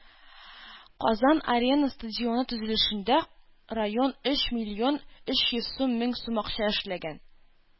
“казан-арена” стадионы төзелешендә район өч миллион өч йөз мең сум акча эшләгән.